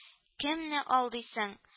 Кемне алдыйсың